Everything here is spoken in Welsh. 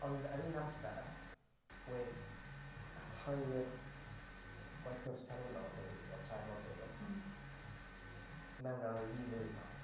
Ond ar un amser wedd y tair g- gwaith cwrs terfynol 'da fi o'r tair modiwl... mhm... mewn ar yr un ddiwrnod.